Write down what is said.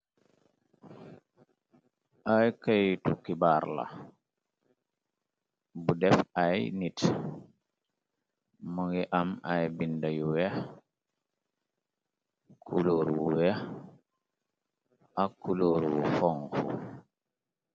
Ay kaytu ki baar la bu def ay nit mo ngi am ay binda yu weex kulóor wu wex ak kulóoru wu fonxu.